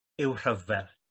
yw rhyfel